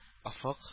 Офык